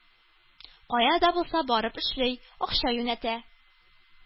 Кая да булса барып эшли, акча юнәтә.